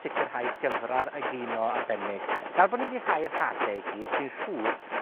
sicirhau gyfradd egino arbennig. Nawr bo' ni 'di hau'r hade i gyd, fi'n siŵr